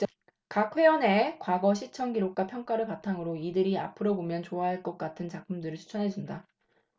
각 회원의 과거 시청 기록과 평가를 바탕으로 이들이 앞으로 보면 좋아할 것 같은 작품들을 추천해 준다